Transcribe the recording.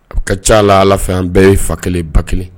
O ka ca la ala an bɛɛ ye ba kelen ba kelen